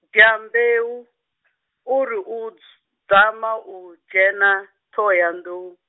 dyambeu, o ri u dz-, dzama o dzhena, Ṱhohoyanḓou.